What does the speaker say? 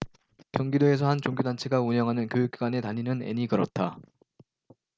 경기도에서 한 종교단체가 운영하는 교육기관에 다니는 앤이 그렇다